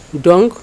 Don